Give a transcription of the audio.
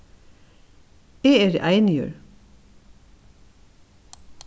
eg eri einigur